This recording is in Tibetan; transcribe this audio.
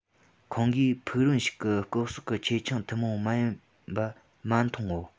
ཁོང གིས ཕུག རོན ཞིག གི ལྐོག སོག གི ཆེ ཆུང ཐུན མོང མ ཡིན པ མ མཐོང སྔོན